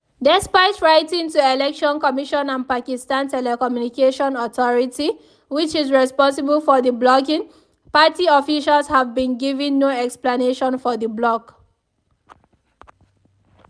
Despite writing to election commission and Pakistan Telecommunication Authority (which is responsible for the blocking), party officials have been given no explanation for the block.